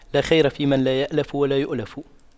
لا خير فيمن لا يَأْلَفُ ولا يؤلف